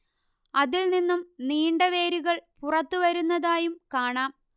അതിൽ നിന്നും നീണ്ട വേരുകൾ പുറത്തു വരുന്നതായും കാണാം